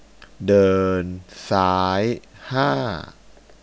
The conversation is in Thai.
เดินซ้ายห้า